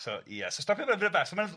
So ia so a ma'n